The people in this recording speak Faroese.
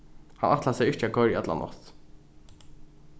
hann ætlar sær ikki at koyra í alla nátt